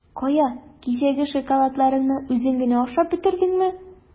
Кая, кичәге шоколадларыңны үзең генә ашап бетердеңме?